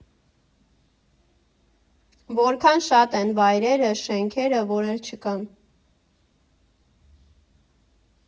Որքա՜ն շատ են վայրերը, շենքերը, որ էլ չկան։